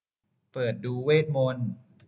เปิดดูเวทมนต์